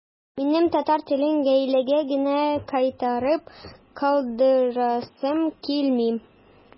Минем татар телен гаиләгә генә кайтарып калдырасым килми.